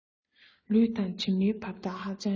ལུས དང གྲིབ མའི བར ཐག ཧ ཅང ཉེ